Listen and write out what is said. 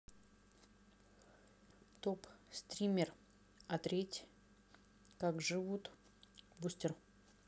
топ стример отреть как живут бустер